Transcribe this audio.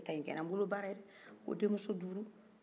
ni kɛra n bolo baara ye dɛ o denmuso duru